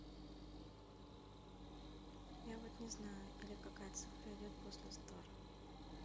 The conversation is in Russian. я вот не знаю или какая цифра идет после star